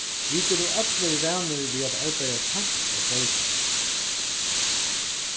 vit eru allir vanir við at arbeiða seint á kvøldi